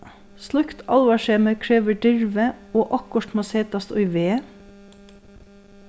slíkt álvarsemi krevur dirvi og okkurt má setast í veð